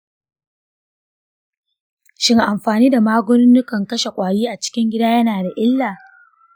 shin amfani da magungunan kashe ƙwari a cikin gida yana da illa?